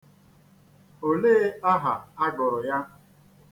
Olee aha a gụrụ ya?